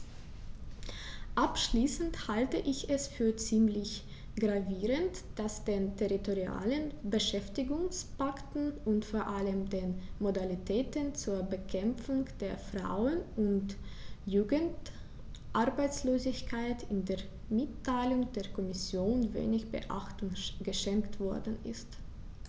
Abschließend halte ich es für ziemlich gravierend, dass den territorialen Beschäftigungspakten und vor allem den Modalitäten zur Bekämpfung der Frauen- und Jugendarbeitslosigkeit in der Mitteilung der Kommission wenig Beachtung geschenkt worden ist.